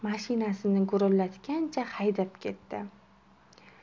mashinasini gurillatgancha haydab ketdi